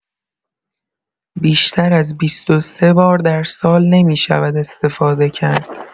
بیشتر از ۲۳ بار در سال نمی‌شود استفاده کرد.